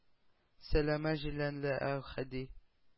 Сәләмә җиләнле Әүхәди